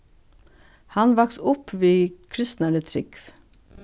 hann vaks upp við kristnari trúgv